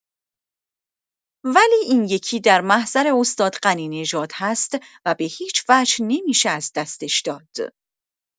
ولی این یکی در محضر استاد غنی‌نژاد هست و به‌هیچ‌وجه نمی‌شه از دستش داد.